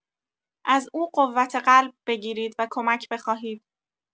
از او قوت قلب بگیرید و کمک بخواهید.